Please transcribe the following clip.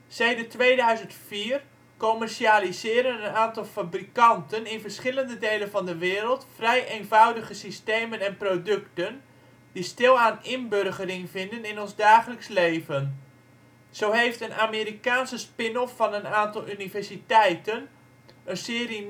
Sedert 2004 commercialiseren een aantal fabrikanten in verschillende delen van de wereld vrij eenvoudige systemen en producten die stilaan inburgering vinden in ons dagelijks leven. Zo heeft een Amerikaanse spin-off van een aantal universiteiten een serie